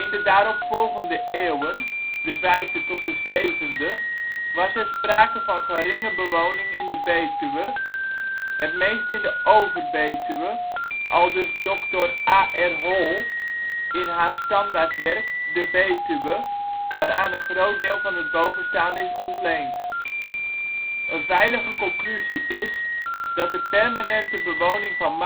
de daarop volgende eeuwen, de 5e tot de 7e, was er sprake van geringe bewoning in de Betuwe, het meest in de Over-Betuwe, aldus Dr. A.R. Hol in haar standaardwerk De Betuwe, waaraan een groot deel van het bovenstaande is ontleend. Een veilige conclusie is, dat de permanente bewoning van